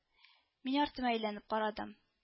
Мин артыма әйләнеп карадым